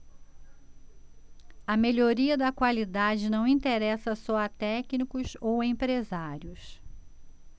a melhoria da qualidade não interessa só a técnicos ou empresários